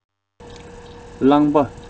རླངས པ